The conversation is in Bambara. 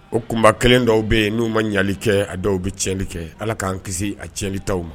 O kunba kelen dɔw bɛ yen n'u ma ɲɛli kɛ a dɔw bɛ tiɲɛli kɛ, Ala k'an kisi a tiɲɛlitaw ma